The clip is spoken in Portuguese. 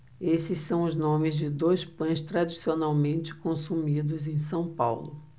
esses são os nomes de dois pães tradicionalmente consumidos em são paulo